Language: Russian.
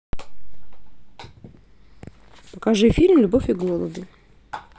покажи фильм любовь и голуби